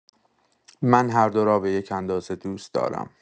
من هر دو را به یک اندازه دوست دارم.